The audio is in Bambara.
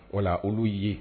Wala olu ye